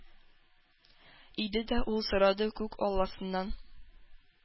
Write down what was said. Иде дә ул сорады күк алласыннан: